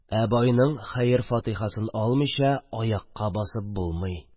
Ә байның хәер-фатихасын алмыйча, аякка басып булмый...